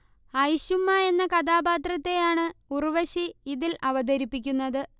ഐഷുമ്മ എന്ന കഥാപാത്രത്തെയാണ് ഉർവശി ഇതിൽ അവതരിപ്പിക്കുന്നത്